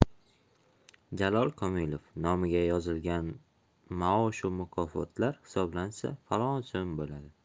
jalol komilov nomiga yozilgan maoshu mukofotlar hisoblansa falon so'm bo'ladi